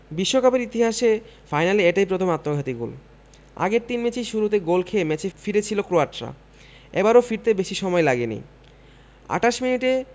বিশ্বকাপের ইতিহাসে ফাইনালে এটাই প্রথম আত্মঘাতী গোল আগের তিন ম্যাচেই শুরুতে গোল খেয়ে ম্যাচে ফিরেছিল ক্রোয়াটরা এবারও ফিরতে বেশি সময় লাগেনি ২৮ মিনিটে